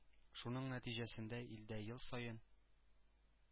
Шуның нәтиҗәсендә илдә ел саен